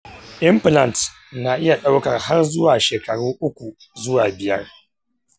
implant na iya ɗaukar har zuwa shekaru uku zuwa biyar.